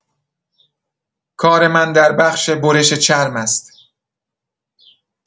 کار من در بخش برش چرم است.